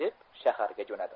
deb shaharga jo'nadi